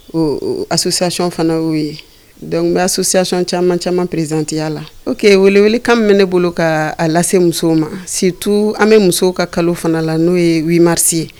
Ɔ association fana y'o ye donc association caaman caaman présidente ya la, gkweeleweeledakan min bɛ ne bolo k'a lase musow ma surtout an bɛ musow ka kalo fana la n'o ye 8 mars i ye